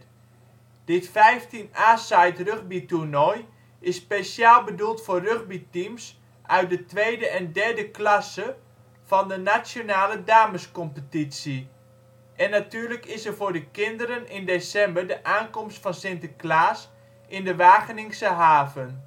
Dit 15 a-side rugbytoernooi is speciaal bedoeld voor rugbyteams uit de tweede en derde klasse en de nationale damescompetitie. En natuurlijk is er voor de kinderen in december de aankomst van Sinterklaas in de Wageningse haven